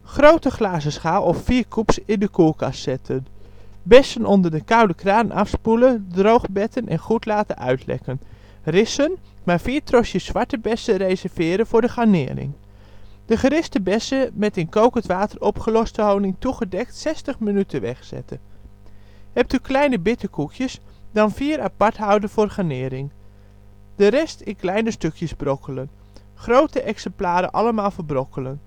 Grote glazen schaal of 4 coupes in de koelkast zetten. Bessen onder de koude kraan afspoelen, droogbetten of goed laten uitlekken, rissen maar 4 trosjes zwarte bessen reserveren voor de garnering. De geriste bessen met in kokend water opgeloste honing toegedekt 60 minuten wegzetten. Hebt u kleine bitterkoekjes, dan 4 apart houden voor garnering. De rest in kleine stukes brokkelen. Grote exemplaren allemaal verbrokkelen